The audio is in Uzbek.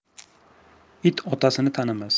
it otasini tanimas